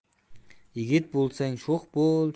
yigit bo'lsang sho'x bo'l